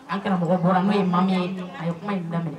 An kɛra mɔgɔ bɔra n'o ye maa min ye a ye kuma ye daminɛ